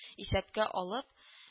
Исәпкә алып